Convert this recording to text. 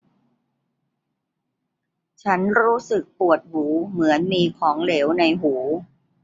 ฉันรู้สึกปวดหูเหมือนมีของเหลวในหู